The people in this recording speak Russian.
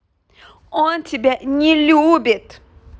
он тебя не любит